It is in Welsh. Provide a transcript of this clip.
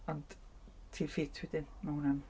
Ond ti'n ffit wedyn, mae hwnna'n...